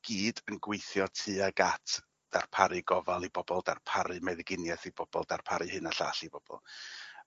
gyd yn gweithio tuag at ddarparu gofal i bobol darparu meddyginieth i bobol darparu hyn a llall i bobol.